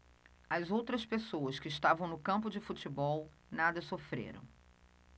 as outras pessoas que estavam no campo de futebol nada sofreram